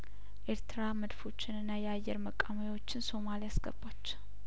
ኤርትራ መድፎችንና የአየር መቃወሚያዎችን ሶማሌ አስገባች